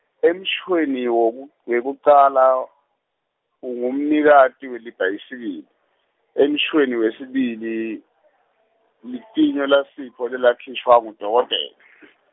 emshweni woku- wekucala, ungumnikati welibhayisikili , emshweni wesibili, litinyo laSipho lelakhishwa ngudokodela.